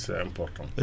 c' est important